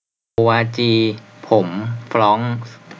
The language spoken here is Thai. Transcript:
โกวาจีผมฟร้องซ์